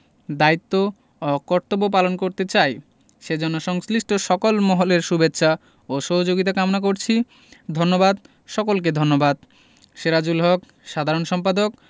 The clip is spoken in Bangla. দায়িত্ব ও কর্তব্য পালন করতে চাই সেজন্য সংশ্লিষ্ট সকল মহলের শুভেচ্ছা ও সহযোগিতা কামনা করছি ধন্যবাদ সকলকে ধন্যবাদ সেরাজুল হক সাধারণ সম্পাদক